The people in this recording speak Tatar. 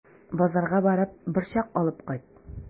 Базарга барып, борчак алып кайт.